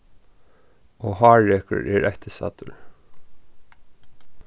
og hárekur er eftir staddur